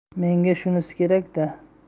menga shunisi kerak da